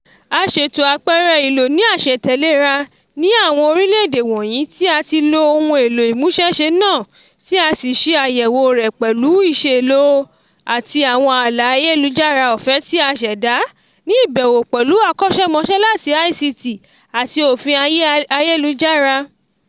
A ṣètò àpẹẹrẹ ìlò ní àṣetẹ̀léra ní àwọn orílẹ̀-èdè wọ̀nyìí tí a ti lo ohun èlò ìmúṣẹ́ṣe náà tí a sì ṣe àyẹ̀wò rẹ̀ pẹ̀lú ìṣeélò àti àwọn ààlà ayélujára ọ̀fẹ́ tí a ṣẹ̀dá ní ìbẹ̀wò pẹ̀lú àwọn akọ́ṣẹ́mọṣẹ́ láti ICT àti òfin ayé ayélujára.